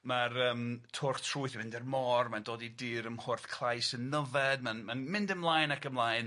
ma'r yym twrch trwyth yn mynd i'r môr, mae'n dod i dir ym Mhorthclais yn Nyfed, ma'n ma'n mynd ymlaen ac ymlaen